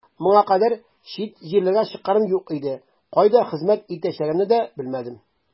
Моңа кадәр чит җирләргә чыкканым юк иде, кайда хезмәт итәчәгемне дә белмәдем.